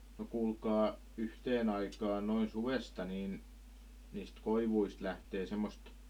no kuulkaa yhteen aikaan noin suvesta niin niistä koivuista lähtee semmoista